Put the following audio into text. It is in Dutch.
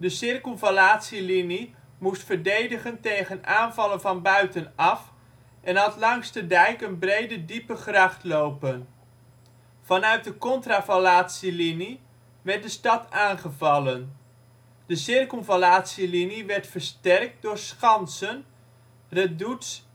circumvallatielinie moest verdedigen tegen aanvallen van buitenaf en had langs de dijk een brede diepe gracht lopen. Vanuit de contravallatielinie werd de stad aangevallen. De circumvallatielinie werd versterkt door schansen, redoutes